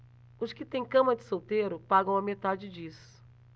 os que têm cama de solteiro pagam a metade disso